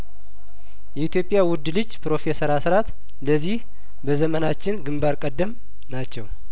የኢትዮጵያ ውድ ልጅ ፕሮፌሰር አስራት ለዚህ በዘመናችን ግንባር ቀደም ናቸው